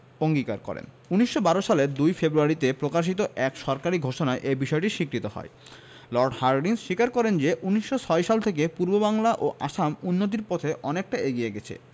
অঙ্গীকার করেন ১৯১২ সালের ২ ফেব্রুয়ারিতে প্রকাশিত এক সরকারি ঘোষণায় এ বিষয়টি স্বীকৃত হয় লর্ড হার্ডিঞ্জ স্বীকার করেন যে ১৯০৬ সাল থেকে পূর্ববাংলা ও আসাম উন্নতির পথে অনেকটা এগিয়ে গেছে